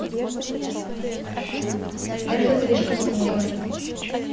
это слишком сложно